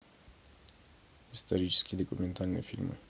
исторические документальные фильмы